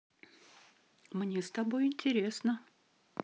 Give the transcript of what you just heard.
мне с тобой интересно